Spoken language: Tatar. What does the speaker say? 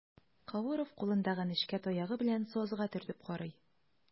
Кауров кулындагы нечкә таягы белән сазга төртеп карый.